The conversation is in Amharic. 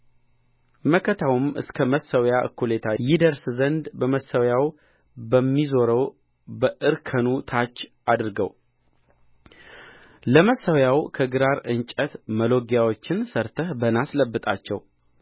መከታውም እስከ መሠዊያው እኵሌታ ይደርስ ዘንድ በመሰዊያው በሚዞረው በእርከኑ ታች አድርገው ለመሠዊያውም ከግራር እንጨት መሎጊያዎችን ሠርተህ በናስ ለብጣቸው